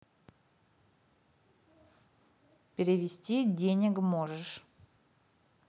перевести денег можешь